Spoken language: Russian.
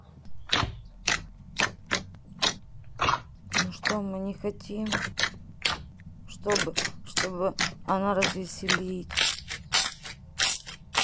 ну что мы не хотим чтобы чтобы она развеселить